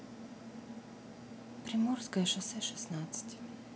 приморское шоссе шестнадцать